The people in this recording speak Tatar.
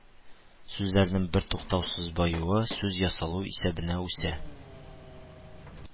Сүзләрнең бертуктаусыз баюы, сүз ясалу исәбенә үсә»